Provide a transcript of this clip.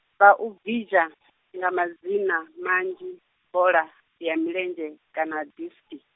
vha u vhidza nga madzina manzhi boḽa ya milenzhe kana diski